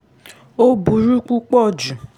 Ó burú púpọ̀ ju.